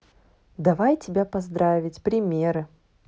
давай тебя поздравить примеры